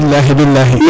bilahi bilahi